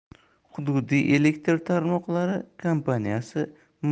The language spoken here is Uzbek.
hududiy elektr tarmoqlari kompaniyasi mazkur